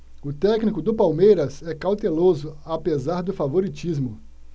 o técnico do palmeiras é cauteloso apesar do favoritismo